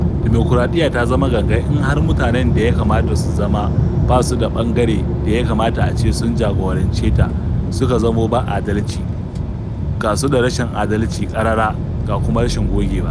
Dimukuraɗiyya ta zama gangan in har mutanen da ya kamata su zama ba su da ɓangare da ya kamata a ce sun jagorance ta suka zamo ba adalci, ga su da rashin adalci ƙarara ga kuma rashin gogewa.